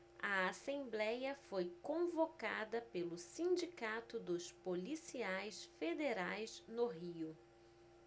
a assembléia foi convocada pelo sindicato dos policiais federais no rio